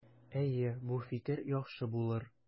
Әйе, бу фикер яхшы булыр.